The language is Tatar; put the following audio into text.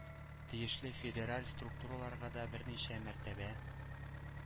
Тиешле федераль структураларга да берничә мәртәбә